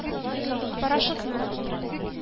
Порошокны